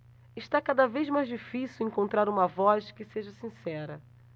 está cada vez mais difícil encontrar uma voz que seja sincera